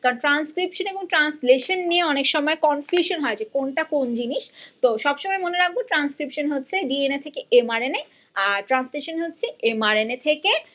কারণ ট্রানস্ক্রিপশন এবং ট্রানসলেশন নিয়ে অনেক সময় কনফিউশন হয় যে কোনটা কোন জিনিস তো সবসময় মনে রাখবো ট্রানস্ক্রিপশন হচ্ছে ডিএনএ থেকে এম আর এন এ আর ট্রানসলেশন হচ্ছে এম আর এন এর থেকে